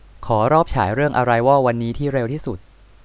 ขอรอบฉายเรื่องอะไรวอลวันนี้ที่เร็วที่สุด